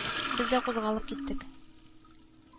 Татарстанда кырау төшәчәк.